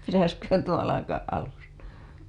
pitäisiköhän tuo alkaa alusta